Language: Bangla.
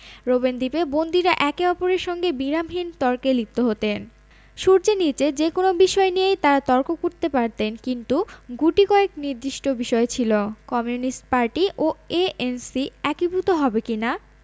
রোবেন দ্বীপে বন্দীরা একে অপরের সঙ্গে বিরামহীন তর্কে লিপ্ত হতেন সূর্যের নিচে যেকোনো বিষয় নিয়েই তাঁরা তর্ক করতে পারতেন কিন্তু গুটিকয়েক নির্দিষ্ট বিষয় ছিল কমিউনিস্ট পার্টি ও এএনসি একীভূত হবে কি না